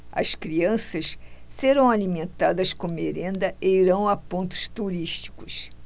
as crianças serão alimentadas com merenda e irão a pontos turísticos